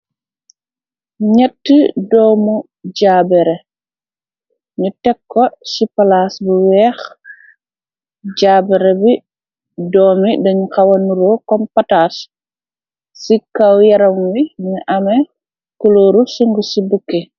Ñetti doomu jaabare, ñu tekko chi palaas bu weex, jaabare bi doomi dañu xawanuro kompatas, ci kaw yaram wi mingi ame kulóoru sunguci bukki.